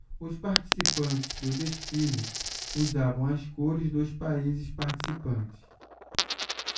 os participantes do desfile usavam as cores dos países participantes